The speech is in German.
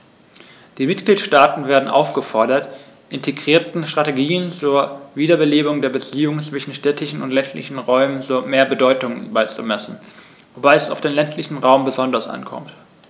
Die Mitgliedstaaten werden aufgefordert, integrierten Strategien zur Wiederbelebung der Beziehungen zwischen städtischen und ländlichen Räumen mehr Bedeutung beizumessen, wobei es auf den ländlichen Raum besonders ankommt.